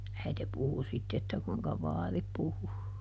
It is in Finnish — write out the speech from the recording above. äiti puhui sitten että kuinka vaari puhui